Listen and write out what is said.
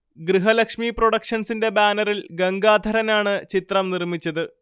ഗൃഹലക്ഷ്മി പ്രൊഡക്ഷൻസിന്റെ ബാനറിൽ ഗംഗാധരനാണ് ചിത്രം നിർമ്മിച്ചത്